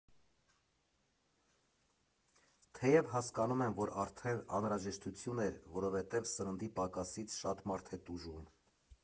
Թեև հասկանում եմ, որ արդեն անհրաժեշտություն էր, որովհետև սննդի պակասից շատ մարդ է տուժում։